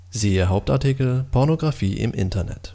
Siehe Hauptartikel: Pornografie im Internet